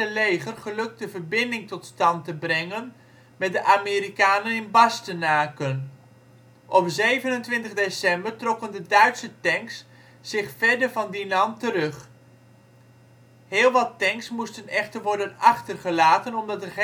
leger gelukt de verbinding tot stand te brengen met de Amerikanen in Bastenaken. Op 27 december trokken de Duitse tanks zich verder van Dinant terug. Heel wat tanks moesten echter worden achtergelaten omdat